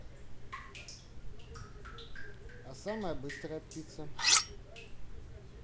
а самая быстрая птица